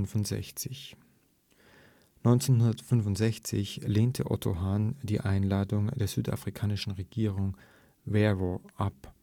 1965 lehnte Otto Hahn die Einladung der südafrikanischen Regierung Verwoerd ab